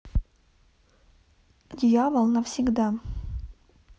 дьявол навсегда